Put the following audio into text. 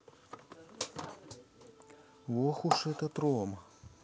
ох уж этот рома